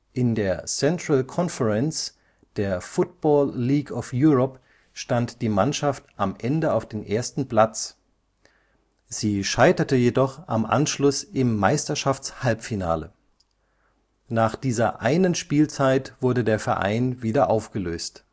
In der Central Conference der Football League of Europe stand die Mannschaft am Ende auf dem ersten Platz, sie scheiterte jedoch am Anschluss im Meisterschafts-Halbfinale. Nach dieser einen Spielzeit wurde der Verein wieder aufgelöst